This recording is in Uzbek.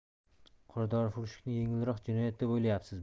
qoradorifurushlikni yengilroq jinoyat deb o'ylayapsizmi